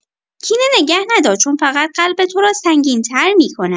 کینه نگه ندار چون فقط قلب تو را سنگین‌تر می‌کند.